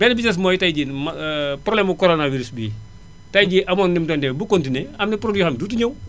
beneen bi ci des mooy tay jii ma problème mu Corona Virus bii tay jii amoon na nu mu doon demee bu continué am na produits yoo xam ne dootul ñëw